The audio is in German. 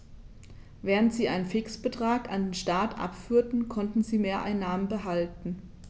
Während sie einen Fixbetrag an den Staat abführten, konnten sie Mehreinnahmen behalten.